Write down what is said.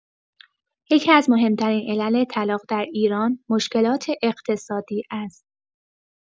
یکی‌از مهم‌ترین علل طلاق در ایران، مشکلات اقتصادی است.